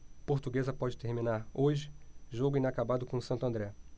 portuguesa pode terminar hoje jogo inacabado com o santo andré